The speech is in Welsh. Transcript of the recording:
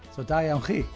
So, da iawn chi.